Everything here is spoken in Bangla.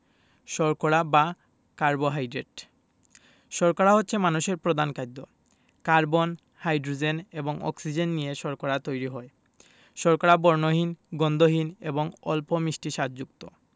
শর্করা বা কার্বোহাইড্রেট শর্করা হচ্ছে মানুষের প্রধান খাদ্য কার্বন হাইড্রোজেন এবং অক্সিজেন নিয়ে শর্করা তৈরি হয় শর্করা বর্ণহীন গন্ধহীন এবং অল্প মিষ্টি স্বাদযুক্ত